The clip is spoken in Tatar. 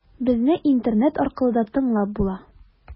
Безне интернет аркылы да тыңлап була.